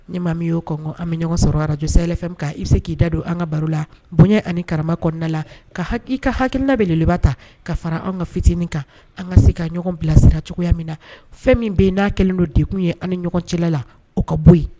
Ni maa min y'o kɔnɔ an bɛ ɲɔgɔn sɔrɔkarajsɛ fɛn k ka i bɛ se k'i da don an ka baro la bonya ani kara kɔnɔna la ka i ka hakiinaeleba ta ka fara an ka fitinin kan an ka se ka ɲɔgɔn bilasira cogoya min na fɛn min bɛ n'a kɛlen don dekun ye ani ɲɔgɔn cɛla la o ka bɔ yen